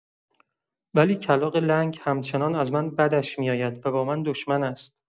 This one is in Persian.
ولی کلاغ لنگ همچنان از من بدش می‌آید و با من دشمن است.